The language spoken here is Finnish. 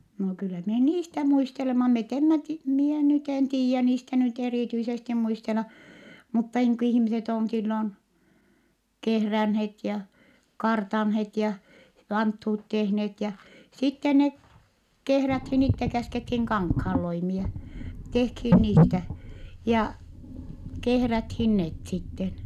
no kyllä minä niistä muistelemme me emme - minä nyt en tiedä niistä nyt erityisesti muistella mutta niin kun ihmiset on silloin kehränneet ja kartanneet ja vanttuut tehneet ja sitten ne kehrättiin itse käskettiin kankaanloimia tehtiin niitä ja kehrättiin ne sitten